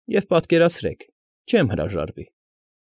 Եվ, պատկերացրեք, չեմ հրաժարվի։